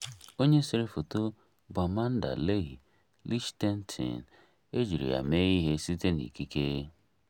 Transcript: Onye sere Foto bụ Amanda Leigh Lichtenstein, e jiri ya mee ihe site n'ikike.